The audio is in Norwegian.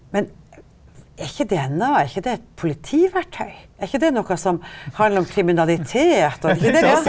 men er ikke DNA er ikke det et politiverktøy, er ikke det noe som handler om kriminalitet og ?